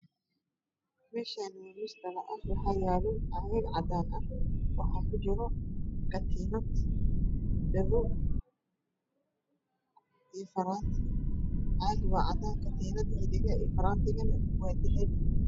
Meeshaan waa miis dhalo ah waxaa yaalo caagad cadaan ah waxaa ku jiro katiinad dhago iyo faraanti caaga waa cadaan dhagahana iyo faraantiga waa dahabi.